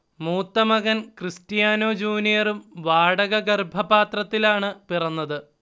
മൂത്ത മകൻ ക്രിസ്റ്റ്യാനൊ ജൂനിയറും വാടക ഗർഭപാത്രത്തിലാണ് പിറന്നത്